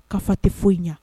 Ka fa tɛ foyi ɲɛ